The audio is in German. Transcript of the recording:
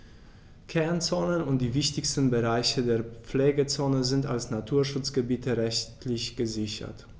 Kernzonen und die wichtigsten Bereiche der Pflegezone sind als Naturschutzgebiete rechtlich gesichert.